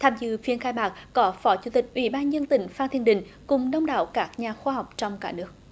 tham dự phiên khai mạc có phó chủ tịch ủy ban dân tỉnh phan thiên định cùng đông đảo các nhà khoa học trong cả nước